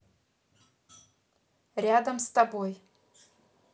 рядом с тобой